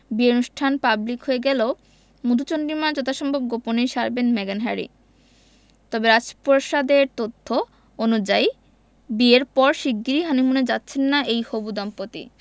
বিয়ের অনুষ্ঠান পাবলিক হয়ে গেলেও মধুচন্দ্রিমা যথাসম্ভব গোপনেই সারবেন মেগান হ্যারি তবে রাজপ্রাসাদের তথ্য অনুযায়ী বিয়ের পর শিগগিরই হানিমুনে যাচ্ছেন না এই হবু দম্পতি